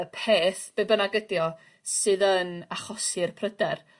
y peth be' bynnag ydi o sydd yn achosi'r pryder.